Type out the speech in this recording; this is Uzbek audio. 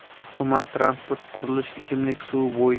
hukumat transport qurilish ichimlik suvi